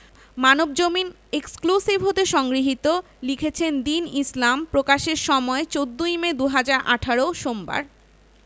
Manabzamin exclusive হতে সংগৃহীত লিখেছেনঃ দীন ইসলাম প্রকাশের সময় ১৪ মে ২০১৮ সোমবার